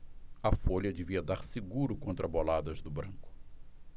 a folha devia dar seguro contra boladas do branco